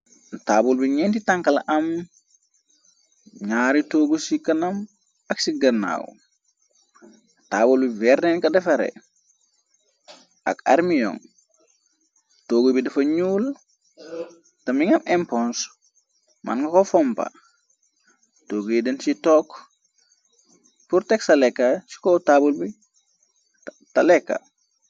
Taabul bi ñenti tankala am, ñaari tóogu ci kanam ak ci gënnaaw, taabul bi veer lenka defare ak armion. Toogu bi dafa ñuul ta mingi am empons mën nga ko fompa, toogu yi den ci tokk purr teg ca leka ci kow taabul bi ta leka.